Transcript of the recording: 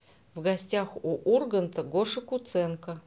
в гостях у урганта гоша куценко